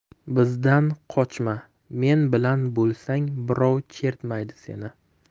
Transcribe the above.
bizdan qochma men bilan bo'lsang birov chertmaydi seni